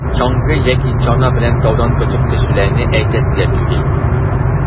Чаңгы яки чана белән таудан очып төшүләрне әйтәсе дә түгел.